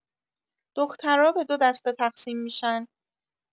دخترا به دو دسته تقسیم می‌شن